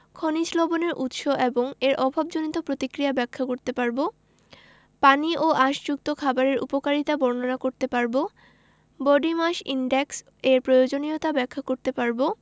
খনিজ লবণের উৎস এবং এর অভাবজনিত প্রতিক্রিয়া ব্যাখ্যা করতে পারব পানি ও আশযুক্ত খাবারের উপকারিতা বর্ণনা করতে পারব বডি মাস ইনডেক্স এর প্রয়োজনীয়তা ব্যাখ্যা করতে পারব